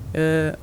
Ee